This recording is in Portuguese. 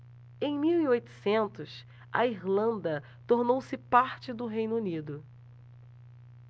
em mil e oitocentos a irlanda tornou-se parte do reino unido